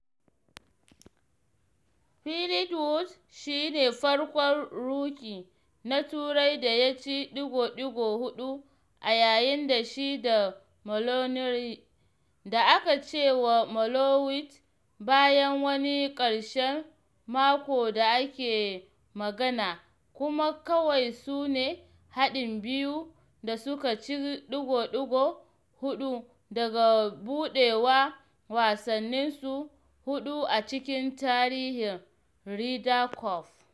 Fleetwood shi ne farkon rookie na Turai da ya ci ɗigo-ɗigo huɗu a yayin da shi da Molinari, da aka cewa "Molliwood" bayan wani ƙarshen mako da ake magana kuma kawai su ne haɗin biyu da suka ci ɗigo-ɗigo hudu daga budewa wasanninsu huɗu a cikin tarihin Ryder Cup.